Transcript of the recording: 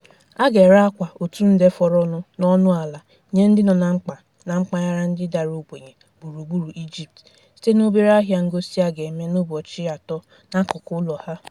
A ga-ere akwa otu nde fọrọ nụ n'ọnụala nye ndị nọ na mkpa na mpaghara ndị dara ogbenye gburugburu Egypt site n'obere ahịa ngosi a ga-eme n'ụbọchị 3 n'akụkụ ụlọ ha.